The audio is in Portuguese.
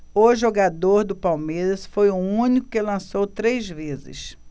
o jogador do palmeiras foi o único que lançou três vezes